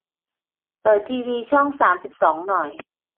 เปิดทีวีช่องสามสิบสองหน่อย